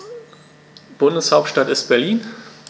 Bundeshauptstadt ist Berlin.